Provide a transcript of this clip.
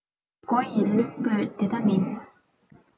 གོ ཡི བླུན པོས དེ ལྟ མིན